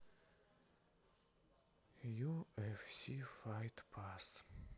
ю эф си файт пасс